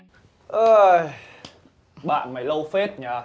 ươi bạn mày lâu phết nhở